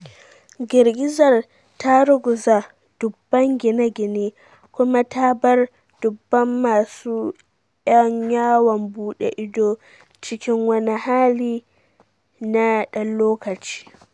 Girgizar ta ruguza dubban gine-gine kuma ta bar dubban masu 'yan yawon bude ido cikin wani hali na dan lokaci.